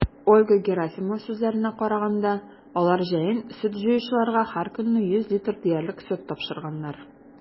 Ольга Герасимова сүзләренә караганда, алар җәен сөт җыючыларга һәркөнне 100 литр диярлек сөт тапшырганнар.